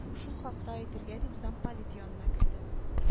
Шул хакта әйтергә дип замполит янына керде